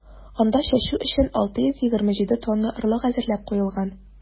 Анда чәчү өчен 627 тонна орлык әзерләп куелган.